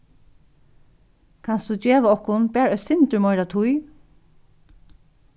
kanst tú geva okkum bara eitt sindur meira tíð